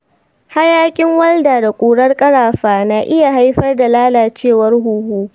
hayakin walda da ƙurar ƙarafa na iya haifar da lalacewar huhu.